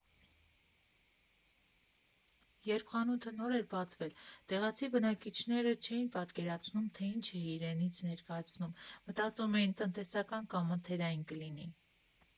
Երբ խանութը նոր էր բացվել, տեղացի բնակիչները չէին պատկերացնում, թե ինչ է իրենից ներկայացնում, մտածում էին՝ տնտեսական կամ մթերային կլինի։